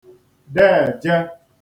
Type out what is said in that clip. dèeje